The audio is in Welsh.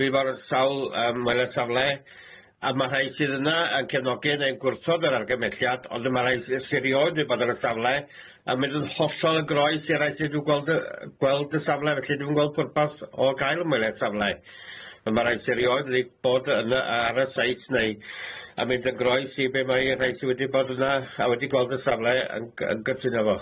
Dwi fo'r sawl yym mwela'r safle a ma' rhai sydd yna yn cefnogi neu'n gwrthod yr argymelliad ond ma' rhai sy sy rioed wedi bod ar y safle yn mynd yn hollol yn groes i rai sy dwi gweld yy gweld y safle felly dwi'm yn gweld pwrpas o gael y mwela'r safle on' ma' rai sy rioed wedi bod yna ar y seit neu' a mynd yn groes i be' mae rhai sy wedi bod yna a wedi gweld y safle yn gy- yn gytuno fo.